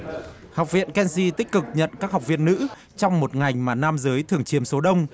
học viện can dy tích cực nhận các học viên nữ trong một ngành mà nam giới thường chiếm số đông